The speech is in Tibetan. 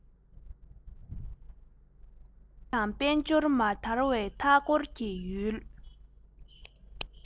ཆོས དང དཔལ འབྱོར མ དར བའི མཐའ འཁོར གྱི ཡུལ